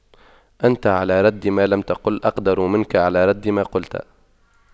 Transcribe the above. أنت على رد ما لم تقل أقدر منك على رد ما قلت